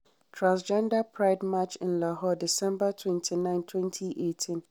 Transgender Pride March in Lahore, December 29, 2018.